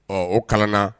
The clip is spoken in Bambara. Ɔ o kalan na